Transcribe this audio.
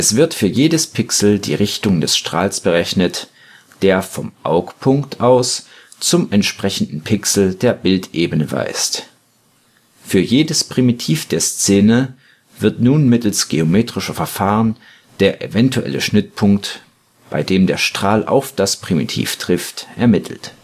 wird für jedes Pixel die Richtung des Strahls berechnet, der vom Augpunkt aus zum entsprechenden Pixel der Bildebene weist. Für jedes Primitiv der Szene wird nun mittels geometrischer Verfahren der eventuelle Schnittpunkt, bei dem der Strahl auf das Primitiv trifft, ermittelt